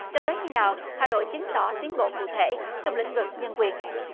cho tới khi nào hà nội chứng tỏ tiếng bộ cụ thể trong lĩnh vực nhân quyền